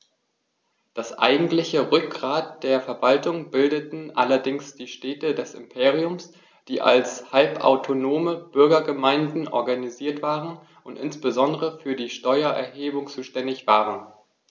Das eigentliche Rückgrat der Verwaltung bildeten allerdings die Städte des Imperiums, die als halbautonome Bürgergemeinden organisiert waren und insbesondere für die Steuererhebung zuständig waren.